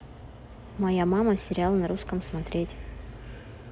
моя мама сериал на русском смотреть